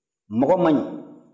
mɔgɔ man ɲi